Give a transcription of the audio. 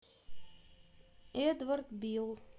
эдвард бил